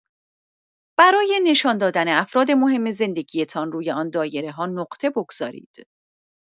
برای نشان‌دادن افراد مهم زندگی‌تان روی آن دایره‌ها نقطه بگذارید.